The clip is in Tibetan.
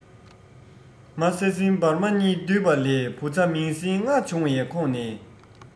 མ ས སྲིན འབར མ གཉིས འདུས པ ལས བུ ཚ མིང སྲིང ལྔ བྱུང བའི ཁོངས ནས